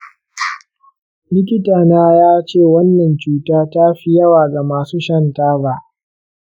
likita na ya ce wannan cuta ta fi yawa ga masu shan taba.